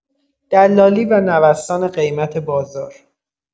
دلالی و نوسان قیمت بازار